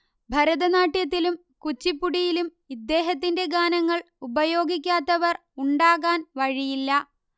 ഭരതനാട്യത്തിലും കുച്ചിപ്പുടിയിലും ഇദ്ദേഹത്തിന്റെ ഗാനങ്ങൾ ഉപയോഗിക്കാത്തവർ ഉണ്ടാകാൻ വഴിയില്ല